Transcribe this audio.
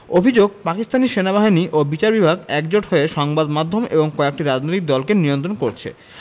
অভিযোগ পাকিস্তানি সেনাবাহিনী ও বিচার বিভাগ একজোট হয়ে সংবাদ মাধ্যম এবং কয়েকটি রাজনৈতিক দলকে নিয়ন্ত্রণ করছে